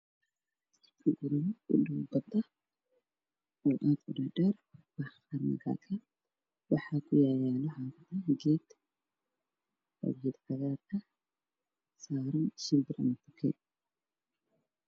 Waxaa ii muuqda guryo midabkoodii yihiin caddaan qaxwi xaq loo i muuqdo geed midabkiisa iyo cagaar bad ayaa ka dambeyso